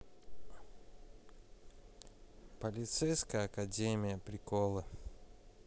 полицейская академия приколы